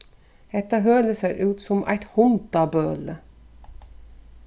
hetta hølið sær út sum eitt hundabøli